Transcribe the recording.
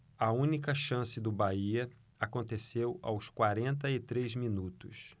a única chance do bahia aconteceu aos quarenta e três minutos